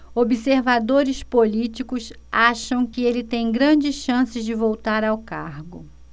observadores políticos acham que ele tem grandes chances de voltar ao cargo